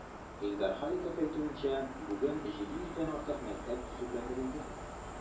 Илдар Халиков әйтүенчә, бүген 700 дән артык мәктәп төзекләндерелгән.